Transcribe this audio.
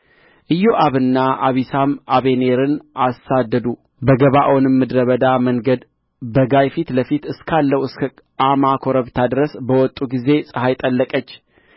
ኢዮአብና አቢሳም አበኔርን አሳደዱ በገባዖንም ምድረ በዳ መንገድ በጋይ ፊት ለፊት እስካለው እስከ አማ ኮረብታ ድረስ በወጡ ጊዜ ፀሐይ ጠለቀች